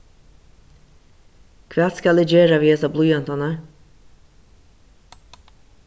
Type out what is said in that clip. hvat skal eg gera við hesar blýantarnar